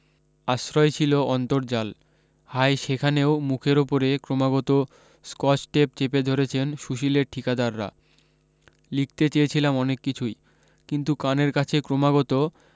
আশ্রয় ছিলো অন্তর্জাল হায় সেখানেও মুখের উপরে ক্রমাগত স্কচটেপ চেপে ধরছেন সুশীলের ঠিকাদাররা লিখতে চেয়েছিলাম অনেক কিছুই কিন্তু কানের কাছে ক্রমাগত